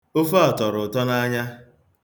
Ofe a tọrọ ụtọ n'anya.